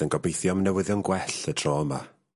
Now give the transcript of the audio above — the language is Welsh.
...yn gobeithio am newyddion gwell y tro yma.